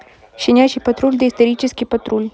щенячий патруль доисторический патруль